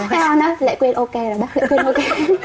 cao đó lệ quyên ô kê rồi bác ơi